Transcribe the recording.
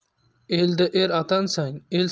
elda er atansang el